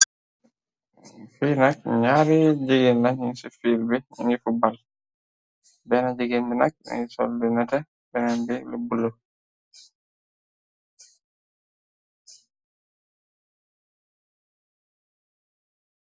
Fii nak ñaaree jigéen, nani ci fiil bi nifu bal , benn jigéen bi nak mungi sol lu nete benen bi lu bulo.